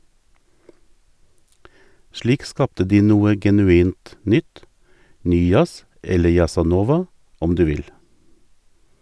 Slik skapte de noe genuint nytt - ny jazz, eller jazzanova, om du vil.